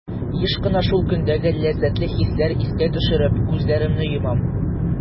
Еш кына шул көндәге ләззәтле хисләрне искә төшереп, күзләремне йомам.